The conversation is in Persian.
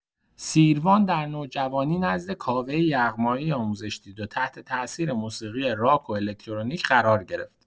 سیروان در نوجوانی نزد کاوه یغمایی آموزش دید و تحت‌تاثیر موسیقی راک و الکترونیک قرار گرفت.